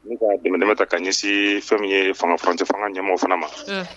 N ka jamana bɛ ta ka ɲɛsi fɛn ye fanga fancɛ fanga ɲɛmɔgɔ fana ma